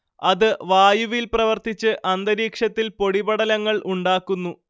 അത് വായുവിൽ പ്രവർത്തിച്ച് അന്തരീക്ഷത്തിൽ പൊടിപടലങ്ങൾ ഉണ്ടാക്കുന്നു